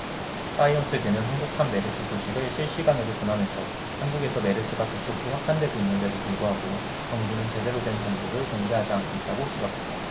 사이언스지는 한국판 메르스 소식을 실시간으로 전하면서 한국에서 메르스가 급속히 확산되고 있는데도 불구하고 정부는 제대로 된 정보를 공개하지 않고 있다고 지적했다